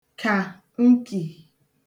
kà nkì